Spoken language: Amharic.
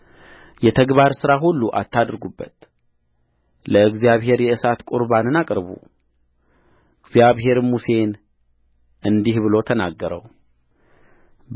የተግባር ሥራ ሁሉ አታድርጉበት ለእግዚአብሔርም የእሳት ቍርባንን አቅርቡእግዚአብሔርም ሙሴን እንዲህ ብሎ ተናገረው